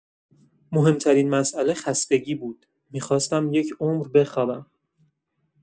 مهم‌ترین مساله خستگی بود، می‌خواستم یک عمر بخوابم.